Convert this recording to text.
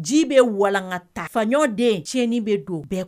Ji bɛ walankata ɲɔden tiɲɛnin bɛ don bɛɛ